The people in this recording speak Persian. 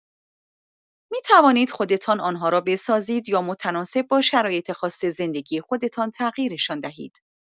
می‌توانید خودتان آن‌ها را بسازید یا متناسب با شرایط خاص زندگی خودتان تغییرشان دهید.